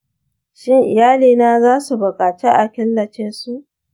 shin iyalina za su buƙaci a killace su ?